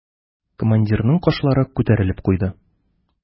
Командирның кашлары күтәрелеп куйды.